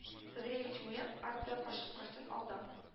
Садриевич муен арты кашып каштын алды